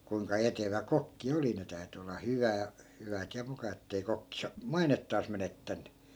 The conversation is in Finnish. kuinka etevä kokki oli ne täytyi olla hyvää hyvät ja muka että ei kokki - mainettaan menettänyt